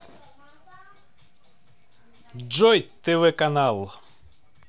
джой тв канал